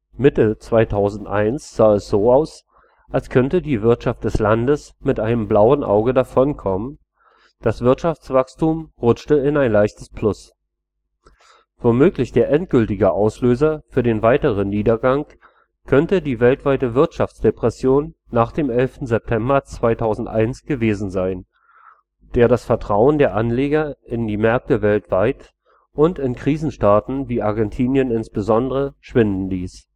Mitte 2001 sah es so aus, als könnte die Wirtschaft des Landes mit einem blauen Auge davonkommen, das Wirtschaftswachstum rutschte in ein leichtes Plus. Womöglich der endgültige Auslöser für den weiteren Niedergang könnte die weltweite Wirtschaftsdepression nach dem 11. September 2001 gewesen sein, der das Vertrauen der Anleger in die Märkte weltweit und in Krisenstaaten wie Argentinien insbesondere schwinden ließ